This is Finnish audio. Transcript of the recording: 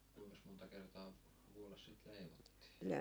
kuinkas montaa kertaa vuodessa sitä leivottiin